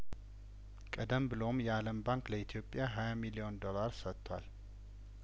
ቀደም ብሎም የአለም ባንክ ለኢትዮጵያ ሀያ ሚሊዮን ዶላር ሰጥቷል